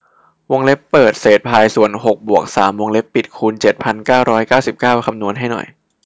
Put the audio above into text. วงเล็บเปิดเศษพายส่วนหกบวกสามวงเล็บปิดคูณเจ็ดพันเก้าร้อยเก้าสิบเก้าคำนวณให้หน่อย